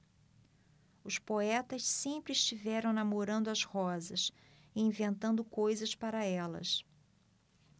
os poetas sempre estiveram namorando as rosas e inventando coisas para elas